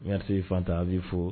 N se fatan bɛ fo